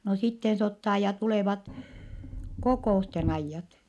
no sitten se ottaa ja tulevat kokousten ajat